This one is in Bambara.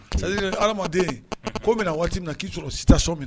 Adamaden ko bɛna na waati min k'i sɔrɔ so min